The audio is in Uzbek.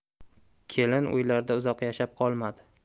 kelin uylarida uzoq yashab qolmadi